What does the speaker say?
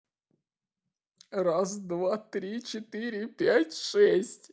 раз два три четыре пять шесть